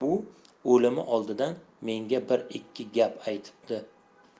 u o'limi oldidan menga bir ikki gap aytibdi